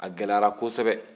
a gɛlɛyara kɔsɛbɛ